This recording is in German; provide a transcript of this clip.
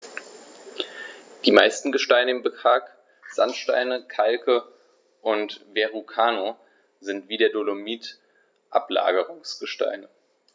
Die meisten Gesteine im Park – Sandsteine, Kalke und Verrucano – sind wie der Dolomit Ablagerungsgesteine.